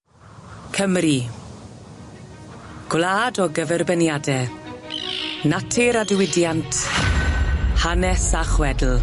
Cymru. Gwlad o gyferbyniade, natur a diwydiant, hanes a chwedl.